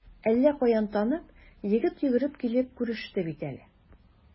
Әллә каян танып, егет йөгереп килеп күреште бит әле.